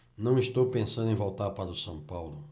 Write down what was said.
não estou pensando em voltar para o são paulo